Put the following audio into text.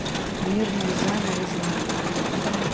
мирные за наизнанку